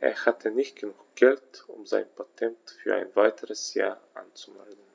Er hatte nicht genug Geld, um sein Patent für ein weiteres Jahr anzumelden.